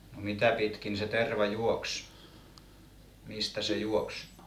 no mitä pitkin se terva juoksi mistä se juoksi